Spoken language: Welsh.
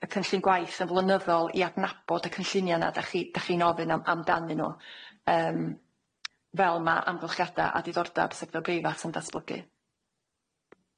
y cynllun gwaith yn flynyddol i adnabod y cynllunia' yna dach chi- dach chi'n ofyn am amdanyn nw yym fel ma' amgylchiada a diddordab sector breifat yn datblygu.